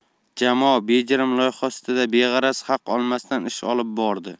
jamoa bejirim loyiha ustida beg'araz haq olmasdan ish olib bordi